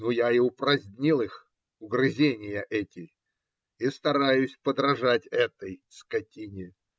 Ну, я и упразднил их, угрызения эти, и стараюсь подражать этой скотине.